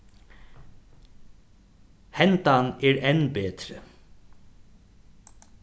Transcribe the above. hendan er enn betri